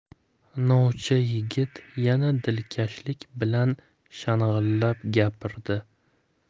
novcha yigit yana dilkashlik bilan shang'illab gapirdi